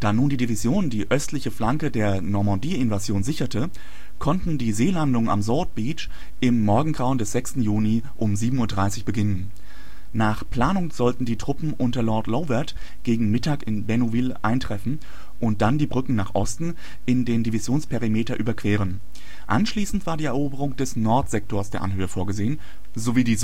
nun die Division die östliche Flanke der Normandieinvasion sicherte, konnten die Seelandungen am Sword-Beach im Morgengrauen des 6. Juni um 7:30 Uhr beginnen. Nach Planung sollten die Truppen unter Lord Lovat gegen Mittag in Bénouville eintreffen und dann die Brücken nach Osten in den Divisionsperimeter überqueren. Anschließend war die Eroberung des Nordsektors der Anhöhe vorgesehen sowie die